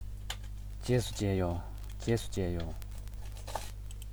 རྗེས སུ མཇལ ཡོང